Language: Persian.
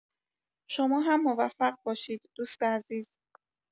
شما هم موفق باشید دوست عزیز